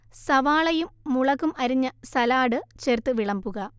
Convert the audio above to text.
സവാളയും മുളകും അരിഞ്ഞ സലാഡ് ചേർത്ത് വിളമ്പുക